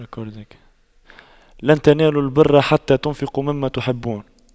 لَن تَنَالُواْ البِرَّ حَتَّى تُنفِقُواْ مِمَّا تُحِبُّونَ